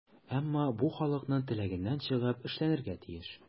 Әмма бу халыкның теләгеннән чыгып эшләнергә тиеш.